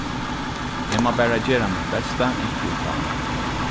eg má bara gera mítt besta inntil tá